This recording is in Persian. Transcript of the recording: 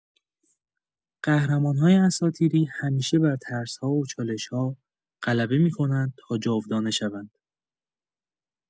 قهرمان‌های اساطیری همیشه بر ترس‌ها و چالش‌ها غلبه می‌کنند تا جاودانه شوند.